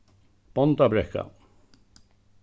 bóndabrekka